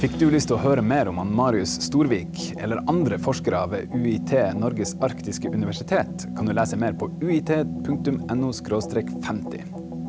fikk du lyst til å høre mer om han Marius Storvik eller andre forskere ved UiT Norges arktiske universitet kan du lese mer på UiT punktum N O skråstrek femti.